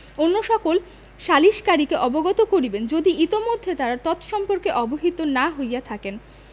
অন্য সকল সালিসকারীকে অবগত করিবেন যদি ইতোমধ্যে তাহারা তৎসম্পর্কে অবহিত না হইয়া থাকেন